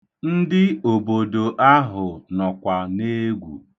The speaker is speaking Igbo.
Ndị obodo ahụ nọkwa n'egwu.